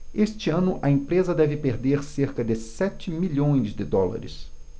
este ano a empresa deve perder cerca de sete milhões de dólares